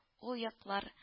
Ул яклар